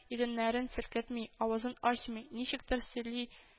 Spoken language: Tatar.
Иреннәрен селкетми, авызын ачмый, ничектер сөйли